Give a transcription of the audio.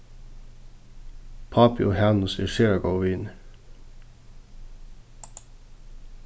pápi og hanus eru sera góðir vinir